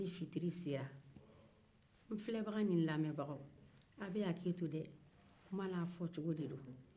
n filebaga ni n lamɛngaw a bɛ haketo kuma n'a fɔcogo don